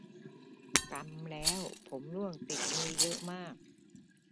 กำแล้วผมร่วงติดมือเยอะมาก